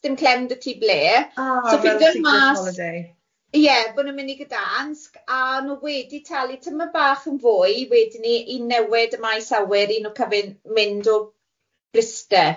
dim clem da ti ble... Ah reit, secret holiday. ...so feindodd hi mas ie bod nhw'n mynd i Gydansg a nhw wedi talu tymor bach yn fwy wedyn i i newid y maes awyr i nhw cyfy- mynd o Bryste.